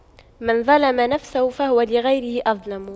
من ظَلَمَ نفسه فهو لغيره أظلم